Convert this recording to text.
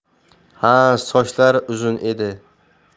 ha sochlari uzun edi